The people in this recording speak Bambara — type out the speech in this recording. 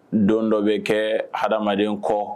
Don dɔ bɛ kɛ adamaden kɔ